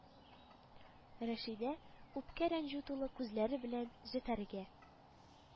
Рәшидә үпкә-рәнҗү тулы күзләре белән Зөфәргә